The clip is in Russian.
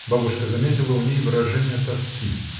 Бабушка заметила у ней выражение тоски.